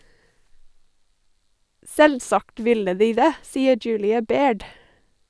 Selvsagt ville de det , sier Julia Baird.